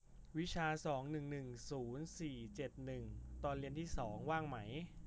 วิชาสองหนึ่งหนึ่งศูนย์สี่เจ็ดหนึ่งตอนเรียนที่สองว่างไหม